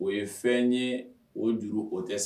O ye fɛn ye o juru o tɛ sa